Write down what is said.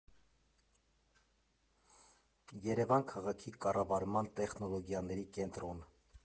Երևան քաղաքի կառավարման տեխնոլոգիաների կենտրոն։